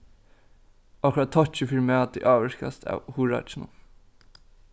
okkara tokki fyri mati ávirkast av hugrákinum